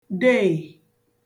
deè